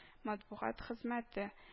Матбугат хезмәте